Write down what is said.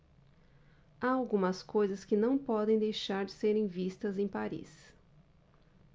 há algumas coisas que não podem deixar de serem vistas em paris